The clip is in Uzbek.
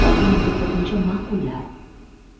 oyim uni ko'pincha ma'qullar